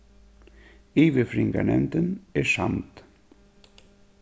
yvirfriðingarnevndin er samd